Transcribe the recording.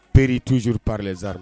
Pereri tzurprilzari